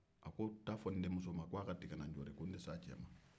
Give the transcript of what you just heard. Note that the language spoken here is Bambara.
a ko taa fɔ n denmuso ma k'a incomprehensible ko n tɛ s'a cɛ ma